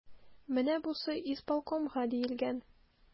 Менә бусы исполкомга диелгән.